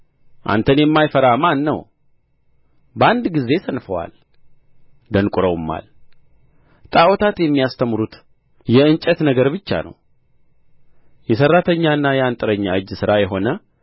አንተን የማይፈራ ማን ነው በአንድ ጊዜ ሰንፈዋል ደንቍረውማል ጣዖታት የሚያስተምሩት የእንጨት ነገር ብቻ ነው የሠራተኛና የአንጥረኛ እጅ ሥራ የሆነ